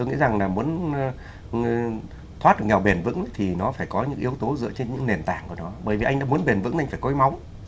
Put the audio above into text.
tôi nghĩ rằng là muốn nguồn thoát nghèo bền vững thì nó phải có những yếu tố dựa trên những nền tảng của nó mới với anh là muốn bền vững mạnh phải có móng